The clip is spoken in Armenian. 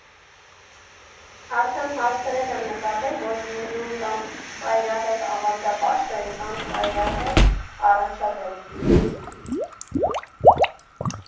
Արդեն հասցրել եմ նկատել, որ Գյումրիում կա՛մ ծայրահեղ ավանդապաշտ են, կա՛մ ծայրահեղ առաջադեմ։